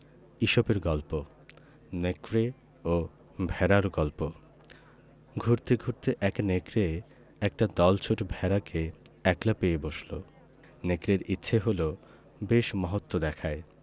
ইসপের গল্প নেকড়ে ও ভেড়ার গল্প ঘুরতে ঘুরতে এক নেকড়ে একটা দলছুট ভেড়াকে একলা পেয়ে বসলো নেকড়ের ইচ্ছে হল বেশ মহত্ব দেখায়